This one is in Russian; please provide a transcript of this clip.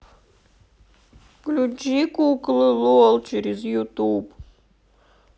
включи куклы лол через ютуб